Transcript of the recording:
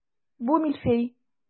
Бу мильфей.